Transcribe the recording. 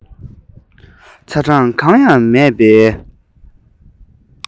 ཚ གྲང གང ཡང མེད པའི